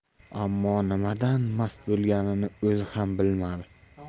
ammo nimadan mast bo'lganini o'zi ham bilmadi